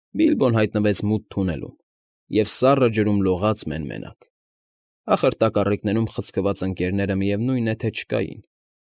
Բիլբոն հայտնվեց մութ թունելում և սառը ջրում լողաց մեն֊մենակ՝ ախր տակառիկներում խցկված ընկներները միևնույն է թե չկային։